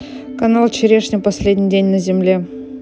канал черешня последний день на земле